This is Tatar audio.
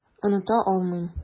Оныта алмыйм.